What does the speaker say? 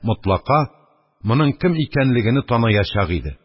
Мотлака, буның кем икәнлегене таныячак иде.